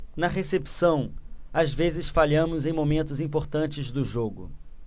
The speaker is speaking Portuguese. na recepção às vezes falhamos em momentos importantes do jogo